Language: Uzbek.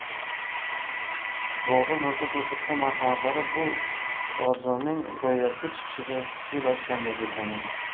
bobur mirzo ko'rsatgan marhamatlar bu orzuning ro'yobga chiqishiga yo'l ochganday bo'lgan edi